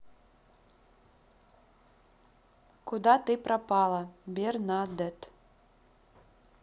куда ты пропала бернадетт